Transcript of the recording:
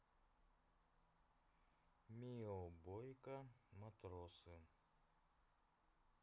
mioboykaa матросы